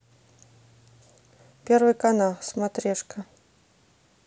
первый канал смотрешка